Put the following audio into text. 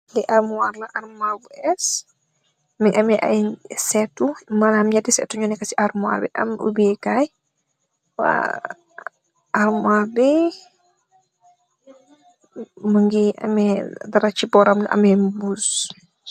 Armouwar la bou bess mugui am aye werr settou